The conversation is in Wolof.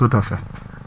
tout à fait